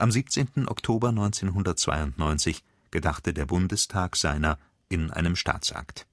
17. Oktober 1992 gedachte der Bundestag seiner in einem Staatsakt